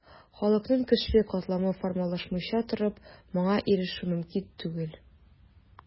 Халыкның көчле катламы формалашмыйча торып, моңа ирешү мөмкин түгел.